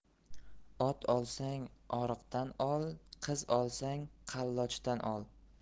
ot olsang oriqdan ol qiz olsang qallochdan ol